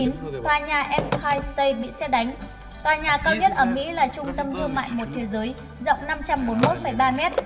tòa nhà empire state bị sét đánh tòa nhà cao nhất ở mỹ là trung tâm thương mại một thế giới rộng feet vuông